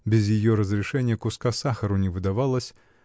без ее разрешения куска сахару не выдавалось